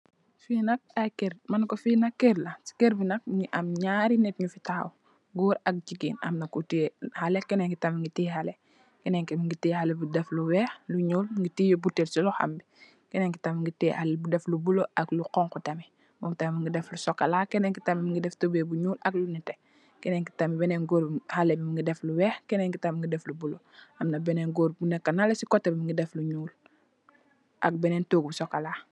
Fi nak ay keur la maneko fi nak keur la mongi am naari niit yu fi taxaw goor ak jigéen amna ku tiye xale kenen ki tam mongi tiyex xale kenen ki mongi tiyex xale bu def lu weex lu nuul mo tiyeh botale si loxombi kenen ki tam mongi tiyex xale bu def lu bulu ak lu xonxu tamit mom tam mongi def lu cxocola la kenen ki tam sol tubai bu nuul ak lu nete kenen ki tam benen goor xale bi mongi def lu weex kenen tam mongi def lu bulu amna benen goor bu neke nele si kote bi mongi def lu nuul ak benen togu cxocola.